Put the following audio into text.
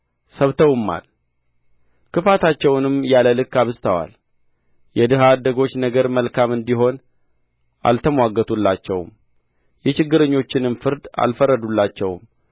ሰብተውማል ክፋታቸውንም ያለ ልክ አብዝተዋል የድሀ አደጎች ነገር መልካም እንዲሆን አልተምዋገቱላቸውም የችግረኞችንም ፍርድ አልፈረዱላቸውም